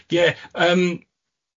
Ie yym.